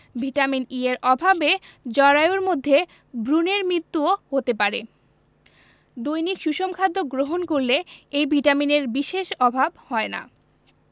vitamin E এর অভাবে জরায়ুর মধ্যে ভ্রুনের মৃত্যুও হতে পারে দৈনিক সুষম খাদ্য গ্রহণ করলে এই ভিটামিনের বিশেষ অভাব হয় না